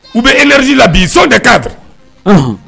U bɛ e resi la bi so de ka di un